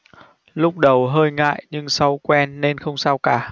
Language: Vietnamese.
lúc đầu hơi ngại nhưng sau quen nên không sao cả